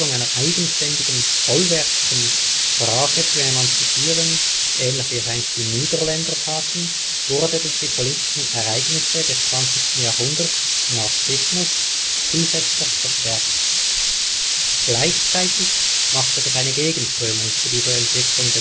einer eigenständigen " vollwertigen " Sprache zu emanzipieren, ähnlich wie es einst die Niederländer taten, wurde durch die politischen Ereignisse des 20. Jahrhunderts (Nazismus) zusätzlich verstärkt. Gleichzeitig machte sich eine Gegenströmung zu dieser Entwicklung